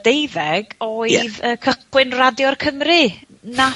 ...deuddeg oedd... Ie. ...y cychwyn radio'r Cymry, nath...